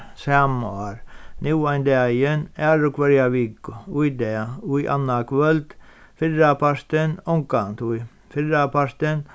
sama ár nú ein dagin aðru hvørja viku í dag í annaðkvøld fyrrapartin ongantíð fyrrapartin